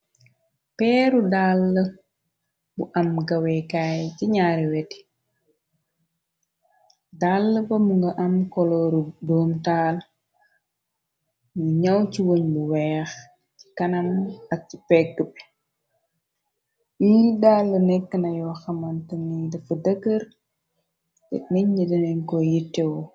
Peeru dall bu am gaweekaay ci nyaari weti dall ba mu nga am kolooru doomu taal nyu ñyaw ci woñ bu weex ci kanam ak ci peggi bi yi dall lu nekka na yor xamante ni dafa dëgër te ninnyi denj koi yi tewo.